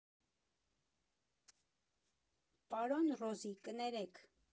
Պարոն Ռոզի կներեք…